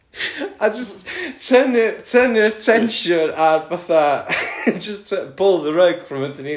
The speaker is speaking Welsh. A jyst tynnu'r tynnu'r tension a fatha jyst pull the rug from underneath